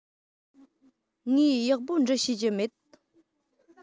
ངས ཡག པོ འབྲི ཤེས ཀྱི མེད